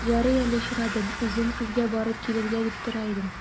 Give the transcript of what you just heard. Ярый әле очрадың, үзем сезгә барып килергә дип тора идем.